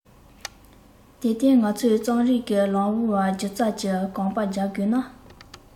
དེར བརྟེན ང ཚོས རྩོམ རིག གི ལམ བུ ལ སྒྱུ རྩལ གྱི གོམ པ རྒྱག དགོས ན